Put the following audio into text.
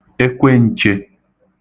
ekwen̄chē